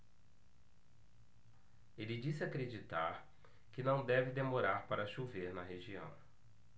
ele disse acreditar que não deve demorar para chover na região